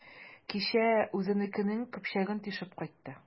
Кичә үзенекенең көпчәген тишеп кайтты.